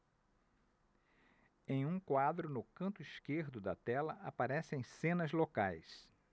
em um quadro no canto esquerdo da tela aparecem cenas locais